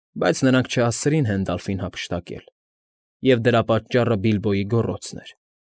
Բայց նրանք չհասցրին Հենդալֆին հափշտակել։ Եվ դրա պառճառը Բիլբոյի գոռոցն էր։